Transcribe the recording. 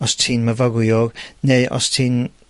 Os ti'n myfyriwr, neu os ti'n